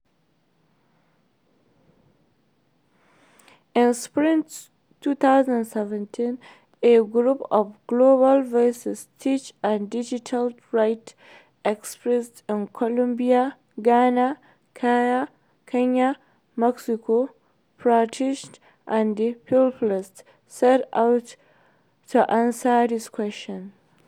In spring 2017, a group of Global Voices tech and digital rights experts in Colombia, Ghana, Kenya, Mexico, Pakistan and the Philippines set out to answer this question.